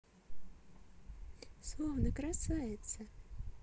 словно красавица